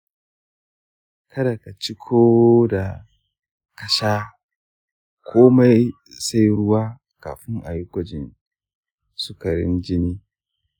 kada ka ci ko ka sha komai sai ruwa kafin ayi gwajin sukarin jini.